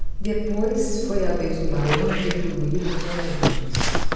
depois foi a vez do baiano retribuir as homenagens